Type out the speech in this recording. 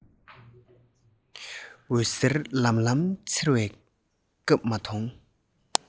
འོད ཟེར ལམ ལམ འཚེར བའི སྐར མ མཐོང